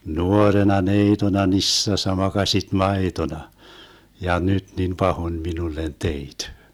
nuorena neitona nisässä makasit maitona ja nyt niin pahoin minulle teit